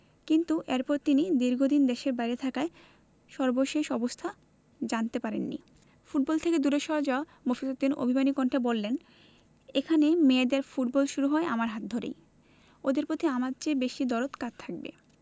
কিন্তু এরপর তিনি দীর্ঘদিন দেশের বাইরে থাকায় সর্বশেষ অবস্থা জানতে পারেননি ফুটবল থেকে দূরে সরে যাওয়া মফিজ উদ্দিন অভিমানী কণ্ঠে বললেন এখানে মেয়েদের ফুটবল শুরু আমার হাত ধরেই ওদের প্রতি আমার চেয়ে বেশি দরদ কার থাকবে